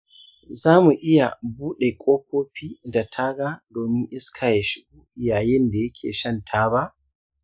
zamu iya buɗe kofofi da taga domin iska ya shigo yayinda yake shan taba?